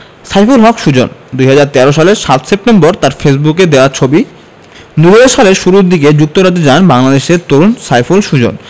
সাইফুল হক সুজন ২০১৩ সালের ৭ সেপ্টেম্বর তাঁর ফেসবুকে দেওয়া ছবি ২০০০ সালের শুরু দিকে যুক্তরাজ্যে যান বাংলাদেশের তরুণ সাইফুল সুজন